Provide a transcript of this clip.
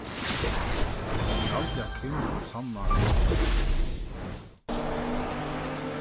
eg haldi at kim og sanna eru partísk